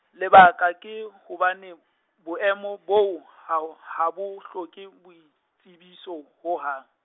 lebaka ke, hobane, boemo boo, ha o, ha bo hloke, boitsebiso, ho hang.